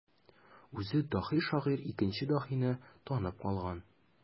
Үзе даһи шагыйрь икенче даһине танып алган.